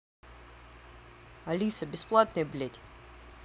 алиса бесплатной блядь